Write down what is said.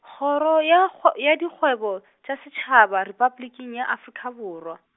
Kgoro ya kgwe-, ya Dikgwebo, tša Setšhaba, Repabliking ya Afrika Borwa.